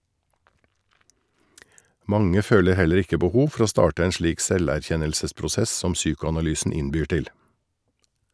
Mange føler heller ikke behov for å starte en slik selverkjennelsesprosess som psykoanalysen innbyr til.